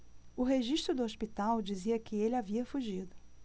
o registro do hospital dizia que ele havia fugido